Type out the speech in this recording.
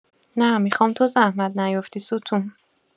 نه، میخوام تو زحمت نیوفتی ستون